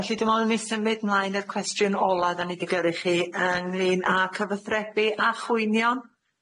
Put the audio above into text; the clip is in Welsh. Felly dwi me'wl newn ni symud mlaen i'r cwestiwn ola 'dan ni 'di gyrru i chi ynglŷn â cyfathrebu a chwynion.